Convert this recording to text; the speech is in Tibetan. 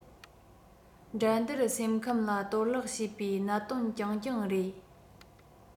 འགྲན བསྡུར སེམས ཁམས ལ གཏོར བརླག བྱེད པའི གནད དོན རྐྱང རྐྱང རེད